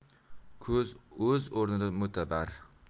ko'z o'z o'rnida mo'tabar